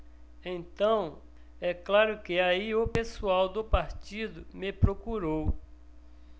então é claro que aí o pessoal do partido me procurou